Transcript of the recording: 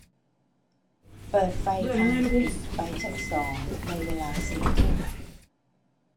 เปิดไฟทางขึ้นไปชั้นสองในเวลาสี่ทุ่ม